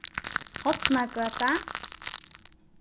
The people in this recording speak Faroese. hornagøta